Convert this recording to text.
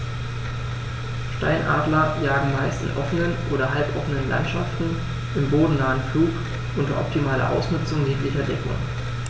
Steinadler jagen meist in offenen oder halboffenen Landschaften im bodennahen Flug unter optimaler Ausnutzung jeglicher Deckung.